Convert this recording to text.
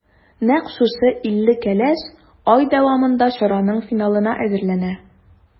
Нәкъ шушы илле кәләш ай дәвамында чараның финалына әзерләнә.